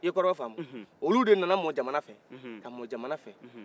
i ye korɔfɔ famu ulu de nana mɔn jamanafɛ ka mɔn jamanafɛ